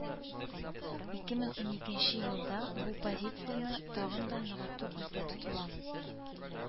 Ике мең уникенче елда бу позицияне тагы да ныгыту күздә тотыла